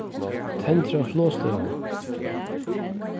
tendra flogstøðu